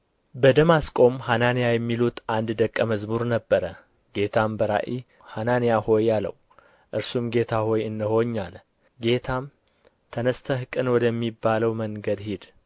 በደማስቆም ሐናንያ የሚሉት አንድ ደቀ መዝሙር ነበረ ጌታም በራእይ ሐናንያ ሆይ አለው እርሱም ጌታ ሆይ እነሆኝ አለ ጌታም ተነሥተህ ቅን ወደ ሚባለው መንገድ ሂድ